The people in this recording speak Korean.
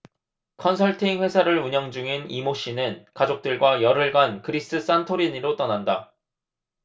컨설팅 회사를 운영 중인 이 모 씨는 가족들과 열흘간 그리스 산토리니로 떠난다